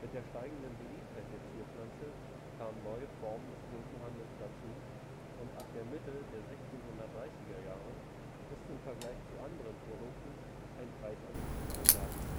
der steigenden Beliebtheit der Zierpflanze kamen neue Formen des Tulpenhandels dazu und ab der Mitte der 1630er Jahre ist im Vergleich zu anderen Produkten ein Preisanstieg zu bemerken